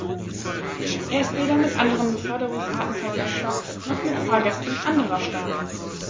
Er ist weder mit anderen Beförderungsarten vergleichbar, noch mit Fahrgästen anderer Staaten.